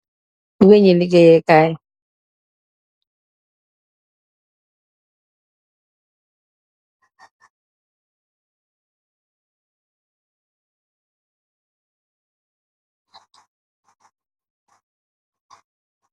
Weñ ñi ligeey Kai.